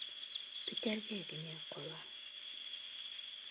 Көтәргә генә кала.